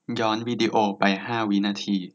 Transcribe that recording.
ย้อนวีดีโอไปห้าวินาที